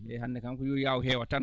eeyi hannde kam ko yo yaw heewa tan